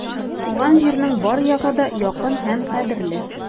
Туган җирнең бар ягы да якын һәм кадерле.